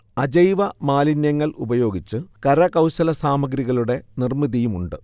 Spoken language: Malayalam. അജൈവ മാലിന്യങ്ങൾ ഉപയോഗിച്ച് കരകൗശല സാമഗ്രഹികളുടെ നിർമിതിയുമുണ്ട്